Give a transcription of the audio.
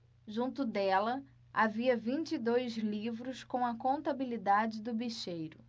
junto dela havia vinte e dois livros com a contabilidade do bicheiro